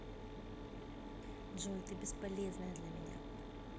джой ты бесполезная для меня